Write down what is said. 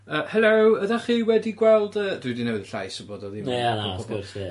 yy helo ydach chi wedi gweld yy dwi wedi newid llais wrth gwrs ie.